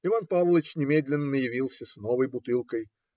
Иван Павлыч немедленно явился с новой бутылкой.